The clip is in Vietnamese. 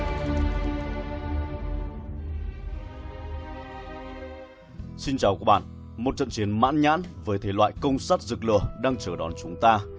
xin chào các bạn một trận chiến mãn nhãn với thể lọai công sát rực lửa đang chờ đón chúng ta